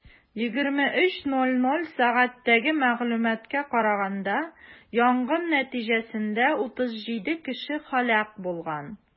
23:00 сәгатьтәге мәгълүматка караганда, янгын нәтиҗәсендә 37 кеше һәлак булган.